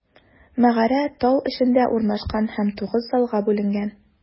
Мәгарә тау эчендә урнашкан һәм тугыз залга бүленгән.